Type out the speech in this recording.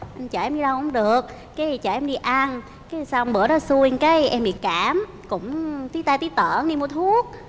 anh chở em đi đâu cũng được cái chở em đi ăn cái xong bữa đó xui em bị cảm cũng tí ta tí tởn đi mua thuốc